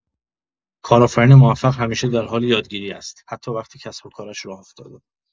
کارآفرین موفق همیشه در حال یاد گرفتن است، حتی وقتی کسب‌وکارش راه افتاده.